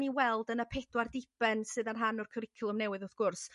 ni'n weld yn y pedwar diben sydd yn rhan o'r cwricwlwm newydd wrth gwrs